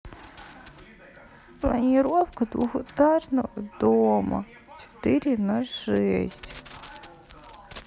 планировка двухэтажного дома четыре на шесть